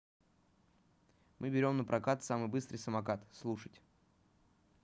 мы берем напрокат самый быстрый самокат слушать